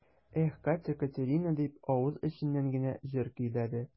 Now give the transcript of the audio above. Эх, Катя-Катерина дип, авыз эченнән генә җыр көйләде.